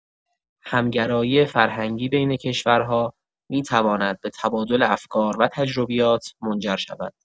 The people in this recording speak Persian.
همگرایی فرهنگی بین کشورها می‌تواند به تبادل افکار و تجربیات منجر شود.